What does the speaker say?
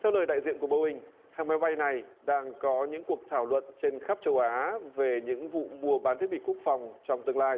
theo lời đại diện của bô ing hãng máy bay này đang có những cuộc thảo luận trên khắp châu á về những vụ mua bán thiết bị quốc phòng trong tương lai